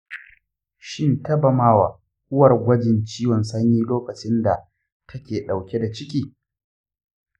shin taba mawa uwar gwajin ciwon sanyi lokacinda take dauke da ciki?